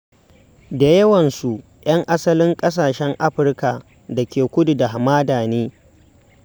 Da yawansu 'yan asalin ƙasashen Afirka da ke kudu da hamada ne.